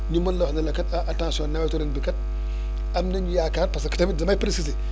ñu mën la wax ne la kat ah attention nawetu ren bi kat am nañu yaakaar parce que tamit jar naa préciser